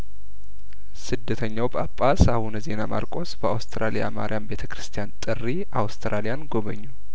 ስደተኛው ጳጳስ አቡነ ዜና ማርቆስ በአውስትራሊያ ማሪያም ቤተክርስቲያን ጥሪ አውስትራሊያን ጐበኙ